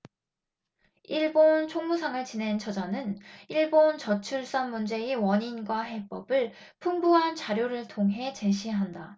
일본 총무상을 지낸 저자는 일본 저출산 문제의 원인과 해법을 풍부한 자료를 통해 제시한다